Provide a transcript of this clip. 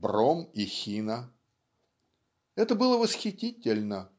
Бром и Хина), это было восхитительно